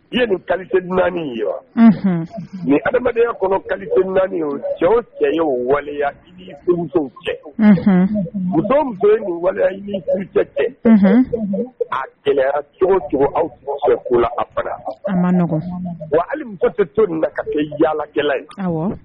I ye ni kalilite naani ye wa nin adamadenya kɔnɔ kalite naani o cɛw cɛ ye o waliya cɛ muso bɛ waliya tɛ a gɛlɛya cɛwcogo aw fɛ ko a faga wa alimu tɛ to min na ka kɛ yaalakɛla ye